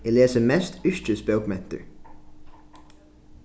eg lesi mest yrkisbókmentir